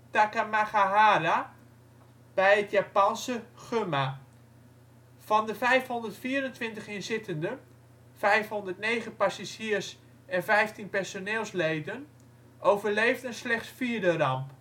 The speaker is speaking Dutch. Takamagahara bij het Japanse Gumma. Van de 524 inzittenden, 509 passagiers en 15 personeelsleden, overleefden slechts vier de ramp